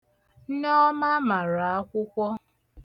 Nneọma mara akwụkwọ.